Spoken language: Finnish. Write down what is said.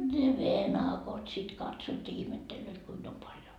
ne venakot sitten katsovat ja ihmettelevät kuinka on paljon